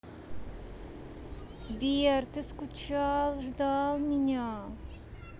сбер ты скучал ждал меня